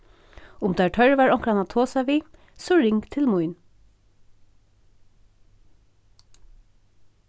um tær tørvar onkran at tosa við so ring til mín